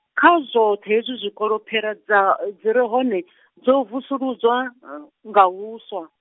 kha zwoṱhe hezwi zwikolo phera dza dzi re hone, dzo vusuludzwa, nga husaw.